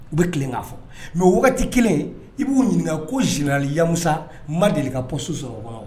U bɛ kelen' fɔ mɛ wagati kelen i b'u ɲininka ko zinali yamusa ma deli ka p su